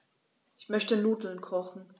Ich möchte Nudeln kochen.